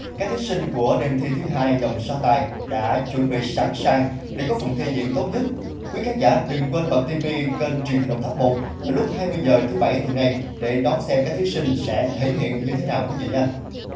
các thí sinh của đêm thi thứ hai vòng so tài đã chuẩn bị sẵn sàng để có phần thi diễn tốt nhất quý khán giả đừng quên bật ti vi kênh truyền hình đồng tháp một vào lúc hai mươi giờ thứ bảy tuần này để đón xem các thí sinh sẽ thể hiện như thế nào quý vị nhé